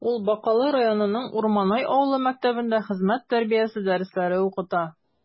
Ул Бакалы районының Урманай авылы мәктәбендә хезмәт тәрбиясе дәресләре укыта.